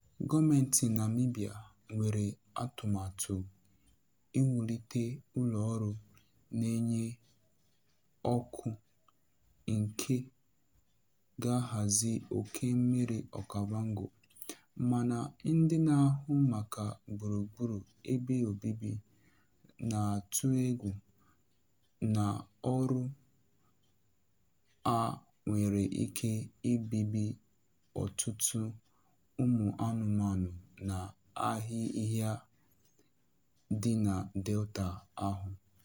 Gọọmenti Namibia nwere atụmatụ iwulite ụlọọrụ na-enye ọkụ nke ga-ahazi oke mmiri Okavango, mana ndị na-ahụ maka gburugburu ebe obibi na-atụ egwu na ọrụ a nwere ike ibibi ọtụtụ ụmụanụmanụ na ahịhịa dị na Delta ahụ.